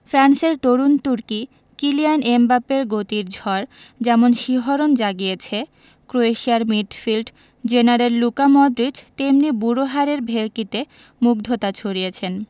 ফ্রান্সের তরুণ তুর্কি কিলিয়ান এমবাপ্পের গতির ঝড় যেমন শিহরণ জাগিয়েছে ক্রোয়েশিয়ার মিডফিল্ড জেনারেল লুকা মডরিচ তেমনি বুড়ো হাড়ের ভেলকিতে মুগ্ধতা ছড়িয়েছেন